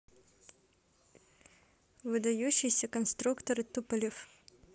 выдающиеся конструкторы туполев